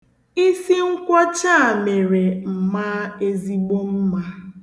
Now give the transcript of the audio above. Isi nkwọcha a mere m maa ezigbo mma.